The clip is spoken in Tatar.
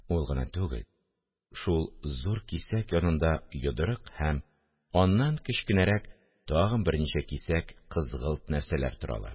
Ул гына түгел, шул зур кисәк янында йодрык һәм аннан кечкенәрәк тагын берничә кисәк кызгылт нәрсәләр торалар